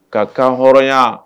Ka kan hɔrɔnya